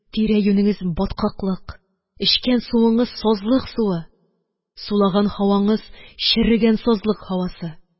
Тирә-юнеңез баткаклык, эчкән суыңыз сазлык суы, сулаган һаваңыз черегән сазлык һавасы